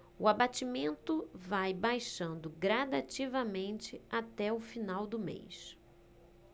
o abatimento vai baixando gradativamente até o final do mês